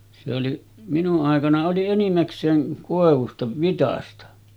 se oli minun aikana oli enimmäkseen koivusta vitsasta